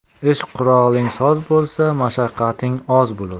ish quroling soz bo'lsa mashaqqating oz bo'lar